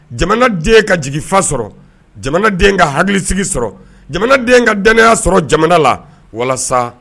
Jamana den ka jiginfa sɔrɔ, jamana den ka hakilisigi sɔrɔ ,jamana den ka danaya sɔrɔ jamana la walasa